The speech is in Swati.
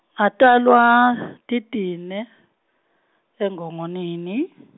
ngatalwa , titine, kuNgongoni.